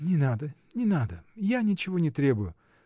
— Не надо, не надо, я ничего не требую!